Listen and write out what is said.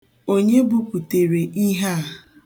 Onye buputere ihe a?